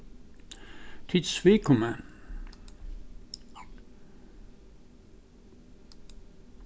tit sviku meg